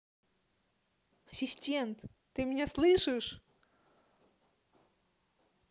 ассистент ты меня слышишь